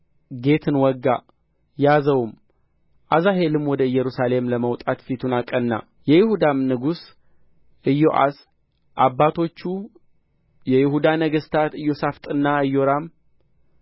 ጌትን ወጋ ያዘውም አዛሄልም ወደ ኢየሩሳሌም ለመውጣት ፊቱን አቀና የይሁዳም ንጉሥ ኢዮአስ አባቶቹ የይሁዳ ነገሥታት ኢዮሣፍጥና ኢዮራም